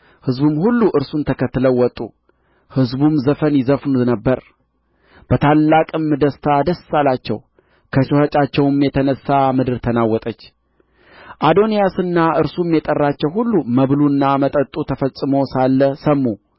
ሕዝቡም ሁሉ እርሱን ተከትለው ወጡ ሕዝቡም ዘፈን ይዘፍኑ ነበር በታላቅም ደስታ ደስ አላቸው ከጩኸታቸውም የተነሣ ምድር ተናወጠች አዶንያስና እርሱም የጠራቸው ሁሉ መብሉና መጠጡ ተፈጽሞ ሳለ ሰሙ